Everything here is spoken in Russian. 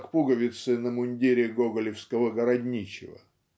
как пуговицы на мундире гоголевского городничего"